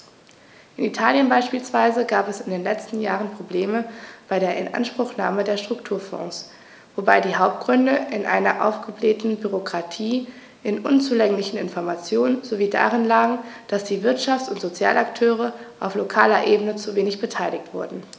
In Italien beispielsweise gab es in den letzten Jahren Probleme bei der Inanspruchnahme der Strukturfonds, wobei die Hauptgründe in einer aufgeblähten Bürokratie, in unzulänglichen Informationen sowie darin lagen, dass die Wirtschafts- und Sozialakteure auf lokaler Ebene zu wenig beteiligt wurden.